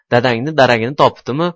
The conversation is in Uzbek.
dadangni daragini topibdimi